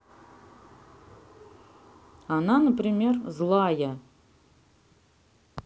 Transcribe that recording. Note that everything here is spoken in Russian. она например злая